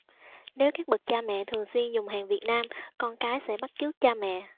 nếu các bậc cha mẹ thường xuyên dùng hàng việt nam con cái sẽ bắt chước cha mẹ